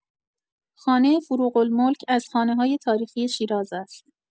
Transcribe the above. خانه فروغ‌الملک از خانه‌های تاریخی شیراز است.